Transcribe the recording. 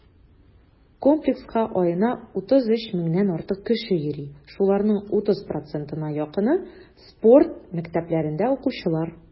Комплекска аена 33 меңнән артык кеше йөри, шуларның 30 %-на якыны - спорт мәктәпләрендә укучылар.